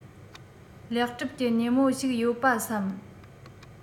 ལེགས གྲུབ གྱི ཉིན མོ ཞིག ཡོད པ བསམ